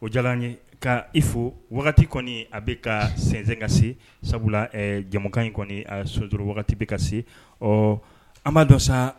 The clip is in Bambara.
O jala n ye, ka i fo waati kɔnni a bɛ ka sɛnsɛn ka se. Sabula ɛɛ jɛmukan in kɔnni a sonsori waati bɛ ka se, ɔ an b'a dɔn sa